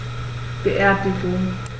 Beerdigung